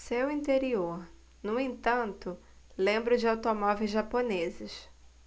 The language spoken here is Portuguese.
seu interior no entanto lembra o de automóveis japoneses